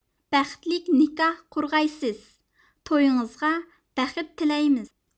بەختلىك نىكاھ قۇرغايسىز تويىڭىزغا بەخت تىلەيمىز